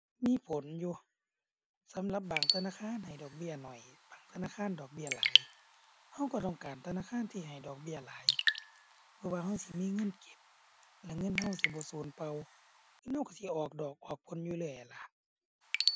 มีผลอยู่ สำหรับบางธนาคารให้ดอกเบี้ยน้อย บางธนาคารดอกเบี้ยหลาย เราก็ต้องการธนาคารที่ให้ดอกเบี้ยหลาย เพราะว่าเราสิมีเงินเก็บ แล้วเงินเราสิบ่สูญเปล่า เงินเราเราสิออกดอกออกผลอยู่เรื่อยหั้นล่ะ